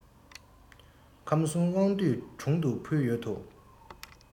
ཁམས གསུམ དབང འདུས དྲུང དུ ཕུལ ཡོད དོ